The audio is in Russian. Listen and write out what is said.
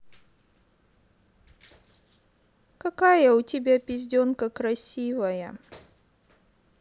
какая у тебя пизденка красивая